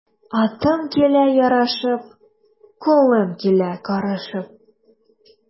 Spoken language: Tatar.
Атым килә ярашып, кулым килә карышып.